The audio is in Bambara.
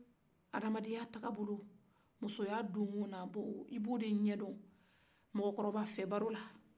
adamadenya taa bolo musoya don wo ni a bɔ wu i bɛ o de ɲɛdon mɔgɔkɔrɔba fɛ baarola